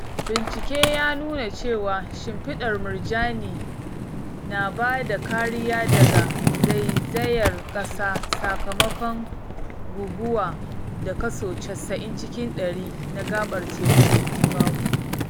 Bincike ya nuna cewa shimfiɗar murjani na ba da kariya daga zaizayar ƙasa sakamakon guguwa da kaso 90 cikin ɗari na gaɓar tekun Tobago.